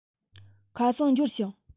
ཁ སང འབྱོར བྱུང